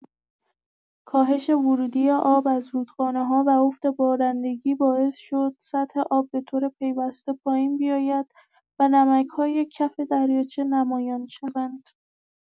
کاهش ورودی آب از رودخانه‌ها و افت بارندگی باعث شد سطح آب به‌طور پیوسته پایین بیاید و نمک‌های کف دریاچه نمایان شوند.